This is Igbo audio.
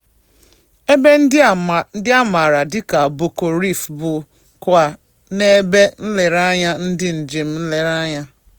Ebe ndị a maara dịka Buccoo Reef so kwa n'ebe nlereanya ndị njem nlereanya.